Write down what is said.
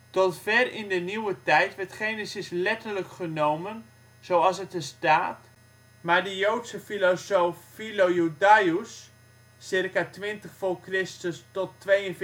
Tot ver in de nieuwe tijd werd Genesis letterlijk genomen zoals het er staat maar de joodse filosoof Philo Judaeus (ca. 20 v.Chr. - ca. 42